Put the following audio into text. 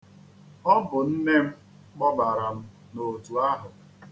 Ọ bụ Nne m kpọbara m n'otu a.